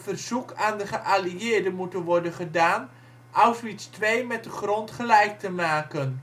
verzoek aan de geallieerden moeten worden gedaan Auschwitz II met de grond gelijk te maken.